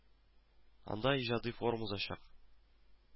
Анда иҗади форум узачак